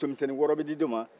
musomisɛnnin wɔɔrɔ bɛ di dɔ man